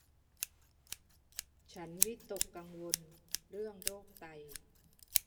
ฉันวิตกกังวลเรื่องโรคไต